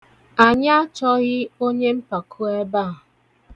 Anyị achọghị onye mpako ebe a.